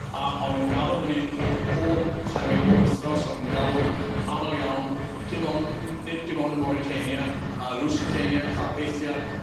A o'n nw'n galw myn' 'yn pob sai'n weud pob wthnos on' nw'n galw yn amal iawn dim on' n- nid dim ond y Moritania y Lusitania Carpathia